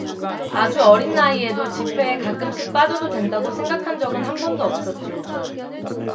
아주 어린 나이에도 집회에 가끔씩 빠져도 된다고 생각한 적은 한 번도 없었죠